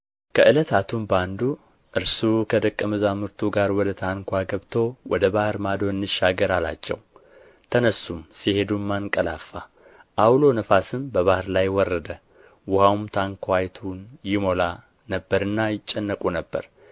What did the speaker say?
ከዕለታቱም በአንዱ እርሱ ከደቀ መዛሙርቱ ጋር ወደ ታንኳ ገብቶ ወደ ባሕር ማዶ እንሻገር አላቸው ተነሡም ሲሄዱም አንቀላፋ ዓውሎ ነፋስም በባሕር ላይ ወረደ ውኃውም ታንኳይቱን ይሞላ ነበርና ይጨነቁ ነበር